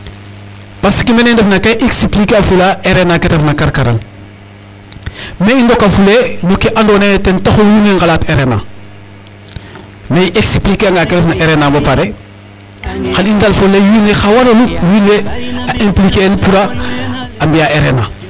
Parce que mene i ndefna ka i expliquer afulaa RNA ke ta ref na karkaral mais i ndokafulee no ke andoona yee ten taxu wiin we ngalaat RNA mais i expliquer anga ke refna RNA bo pare xan i ndalfo lay wiin we xar waralu wiin we a impliquer el pour a mbi'aa RNA.